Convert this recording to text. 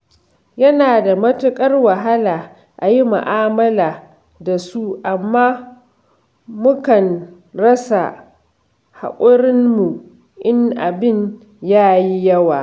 Yana da matuƙar wahala a yi mu'amala da su amma mukan rasa haƙurinmu in abin ya yi yawa.